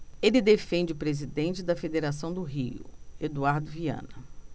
ele defende o presidente da federação do rio eduardo viana